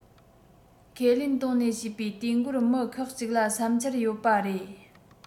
ཁས ལེན བཏོན ནས བྱེད པའི དུས འགོར མི ཁག གཅིག ལ བསམ འཆར ཡོད པ རེད